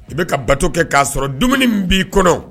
I bɛ ka bato kɛ k'a sɔrɔ dumuni b'i kɔnɔ